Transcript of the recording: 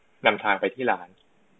นำทางไปที่ร้าน